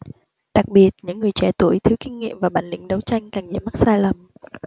đặc biệt những người trẻ tuổi thiếu kinh nghiệm và bản lĩnh đấu tranh càng dễ mắc sai lầm